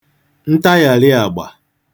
ntaghàlị àgbà